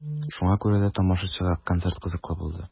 Шуңа күрә дә тамашачыга концерт кызыклы булды.